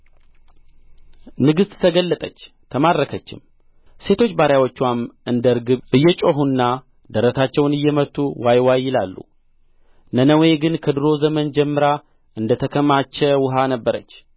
ንግሥት ተገለጠች ተማረከችም ሴቶች ባሪያዎችዋም እንደ ርግብ እየጮኹና ደረታቸውን እየመቱ ዋይ ዋይ ይላሉ ነነዌ ግን ከዱሮ ዘመን ጀምራ እንደ ተከማቸ ውኃ ነበረች